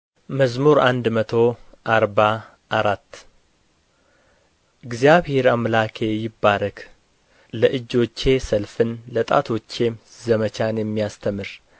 መዝሙር መቶ አርባ አራት እግዚአብሔር አምላኬ ይባረክ ለእጆቼ ሰልፍን ለጣቶቼም ዘመቻን የሚያስተምር